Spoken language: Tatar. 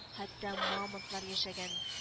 Хәтта мамонтлар яшәгән